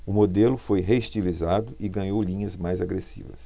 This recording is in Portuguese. o modelo foi reestilizado e ganhou linhas mais agressivas